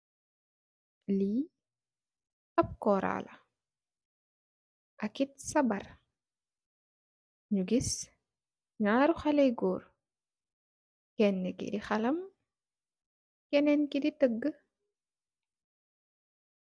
Li ap kora la akit sabarr ñu gis ñaari xalèh gór kenna ki xalam kenna ki tagg.